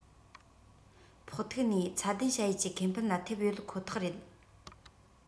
ཕོག ཐུག ནས ཚད ལྡན བྱ ཡུལ གྱི ཁེ ཕན ལ ཐེབས ཡོད ཁོ ཐག རེད